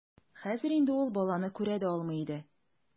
Хәзер инде ул баланы күрә дә алмый иде.